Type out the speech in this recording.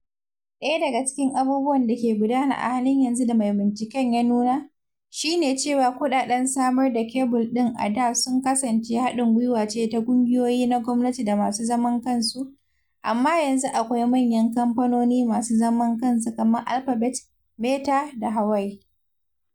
Ɗaya daga cikin abubuwan da ke gudana a halin yanzu da mai binciken ya nuna, shi ne cewa kuɗaɗen samar da kebul ɗin a da sun kasance haɗin gwiwa ce ta ƙungiyoyi na gwamnati da masu zaman kansu, amma yanzu akwai manyan kamfanoni masu zaman kansu kamar Alphabet, Meta da Huawei.